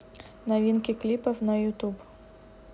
новинки клипов на ютюб